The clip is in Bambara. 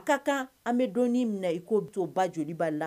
An ka kan an bɛ don minɛ i k ko ba joliba la